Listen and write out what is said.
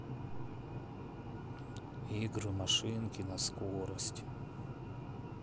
игры машинки на скорость